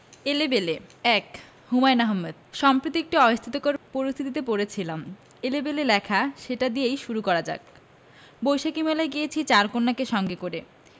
এলেবেলে ১ হুমায়ূন আহমেদ সম্প্রতি একটি অস্বস্তিকর পরিস্থিতিতে পড়েছিলাম এলেবেলে লেখা সেটা দিয়েই শুরু করা যাক বৈশাখী মেলায় গিয়েছি চার কন্যাকে সঙ্গে করে